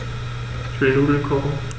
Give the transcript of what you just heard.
Ich will Nudeln kochen.